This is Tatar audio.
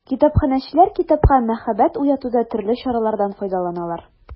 Китапханәчеләр китапка мәхәббәт уятуда төрле чаралардан файдаланалар.